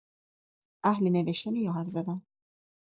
اهل نوشتنی یا حرف‌زدن؟